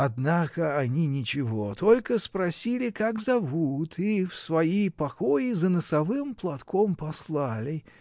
однако они ничего, только спросили, как зовут, и в свои покои за носовым платком послали.